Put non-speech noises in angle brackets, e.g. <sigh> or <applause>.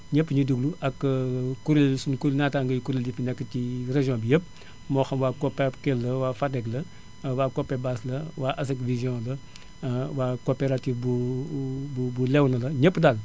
ñëpp ñuy déglu ak <hesitation> kuréelu sunu naatango kuréel yi fi nekk ci <hesitation> région bi yëppmoo xam waa Kopa Kell ela waa Fadeg la waa Kopebase la waa Aseg vision la <hesitation> waa coopérative bu <hesitation> bu Léona la ñëpp daal